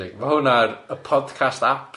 Ma' hwn ar y podcast app.